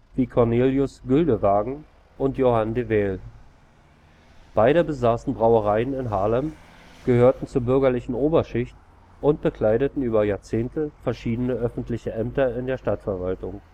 wie Cornelis Guldewagen und Johan de Wael. Beide besaßen Brauereien in Haarlem, gehörten zur bürgerlichen Oberschicht und bekleideten über Jahrzehnte verschiedene öffentliche Ämter in der Stadtverwaltung